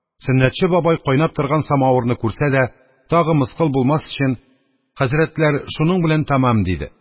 Сөннәтче бабай кайнап торган самавырны күрсә дә, тагы мыскыл булмас өчен: – Хәзрәтләр, шуның белән тәмам, – диде.